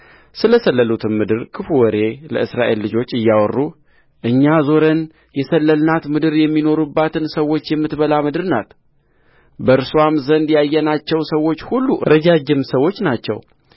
ስለ ሰለሉአትም ምድር ክፉ ወሬ ለእስራኤል ልጆች እያወሩ እኛ ዞረን የሰለልናት ምድር የሚኖሩባትን ሰዎች የምትበላ ምድር ናት በእርስዋም ዘንድ ያየናቸው ሰዎች ሁሉ ረጃጅም ሰዎች ናቸው